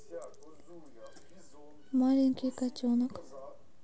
маленький котенок